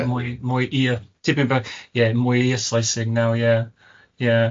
Mwy, mwy, ie, tipyn bach... Ie, mwy Saesneg naw', ie, ie.